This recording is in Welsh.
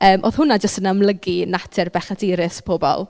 Yym oedd hwnna jyst yn amlygu natur bechadurus pobl.